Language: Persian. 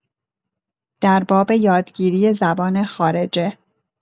در باب یادگیری زبان خارجه